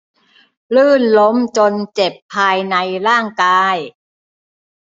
ลื่นล้มจนเจ็บภายในร่างกาย